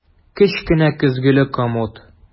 Кечкенә көзгеле комод.